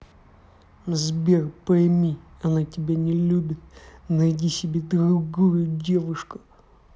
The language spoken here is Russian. сбер пойми она тебя не любит найди себе другую девушку